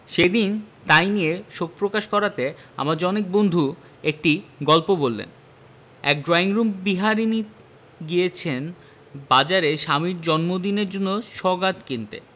সেদিন তাই নিয়ে শোকপ্রকাশ করাতে আমার জনৈক বন্ধু একটি গল্প বললেন এক ড্রইংরুম বিহারীণী গিয়েছেন বাজারে স্বামীর জন্মদিনের জন্য সওগাত কিনতে